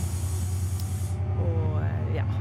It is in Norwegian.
Og, ja.